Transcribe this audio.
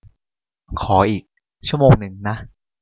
ขออีกชั่วโมงนึงนะ